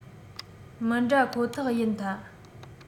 མི འདྲ ཁོག ཐག ཡིན ཐ